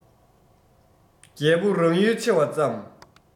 རྒྱལ པོ རང ཡུལ ཆེ བ ཙམ